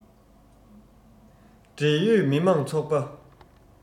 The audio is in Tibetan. འབྲེལ ཡོད མི དམངས ཚོགས པ